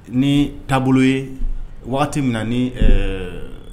Ni taabolo ye wagati min na ni ɛɛ